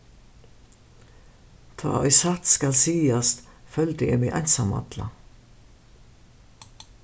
tá ið satt skal sigast føldi eg meg einsamalla